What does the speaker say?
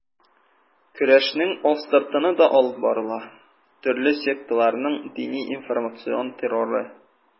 Көрәшнең астыртыны да алып барыла: төрле секталарның дини-информацион терроры.